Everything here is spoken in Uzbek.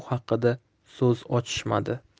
xaqida so'z ochishmadi